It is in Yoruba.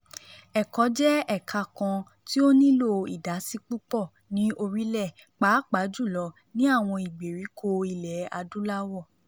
Ẹ̀kọ́ jẹ́ ẹ̀ka kan tí ó nílò ìdásí púpọ̀ ní orílẹ̀, pàápàá jùlọ ní àwọn ìgbèríko ilẹ̀ Adúláwọ̀.